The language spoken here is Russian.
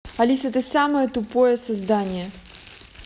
алиса ты самое тупое создание